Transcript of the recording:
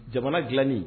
Jamana dilannin